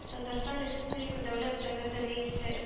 Татарстан Республика Дәүләт Советы Рәисе